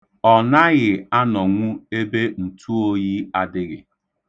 Ọ naghị anọnwụ ebe ntuoyi adịghị.